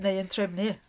Neu'n trefnu.